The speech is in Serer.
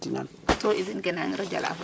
so usine ke na ngiro jala fo den